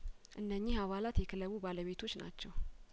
እነኚህ አባላት የክለቡ ባለቤቶች ናቸው